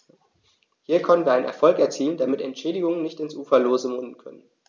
Hier konnten wir einen Erfolg erzielen, damit Entschädigungen nicht ins Uferlose münden können.